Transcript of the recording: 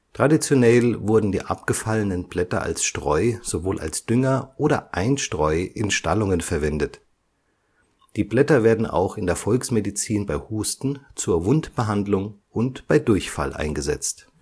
Traditionell wurden die abgefallenen Blätter als Streu sowohl als Dünger oder Einstreu in Stallungen verwendet. Die Blätter werden auch in der Volksmedizin bei Husten, zur Wundbehandlung und bei Durchfall eingesetzt